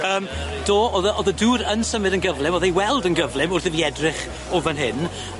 Yym, do, o'dd y o'dd y dŵr yn symud yn gyflym, o'dd e i weld yn gyflym, wrth i ni edrych o fan hyn